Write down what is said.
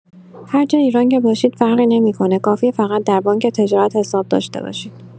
هرجای ایران که باشید فرقی نمی‌کنه، کافیه فقط در بانک تجارت حساب داشته باشید!